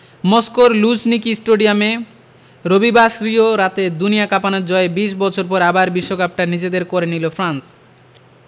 মস্কোর লুঝনিকি স্টেডিয়ামে রবিবাসরীয় রাতে দুনিয়া কাঁপানো জয়ে ২০ বছর পর আবার বিশ্বকাপটা নিজেদের করে নিল ফ্রান্স